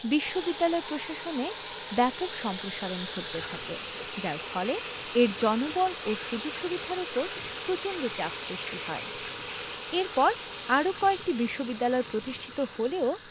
বিশ্ববিদ্যালয় প্রশাসনে ব্যাপক সম্প্রসারণ ঘটতে থাকে যার ফলে এর জনবল ও সুযোগ সুবিধার ওপর প্রচন্ড চাপ সৃষ্টি হয় এরপর আরও কয়েকটি বিশ্ববিদ্যালয় প্রতিষ্ঠিত হলেও